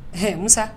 Ɛɛ musa